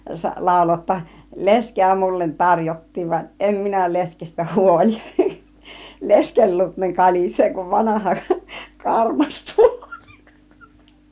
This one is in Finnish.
lauloi jotta leskeä minulle tarjottiin vaan en minä leskestä huoli lesken luut ne kalisee kuin vanha karmastuoli